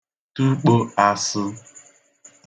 tukpō asə̣